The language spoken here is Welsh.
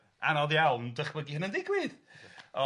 Anodd iawn dychmygu hynna'n digwydd.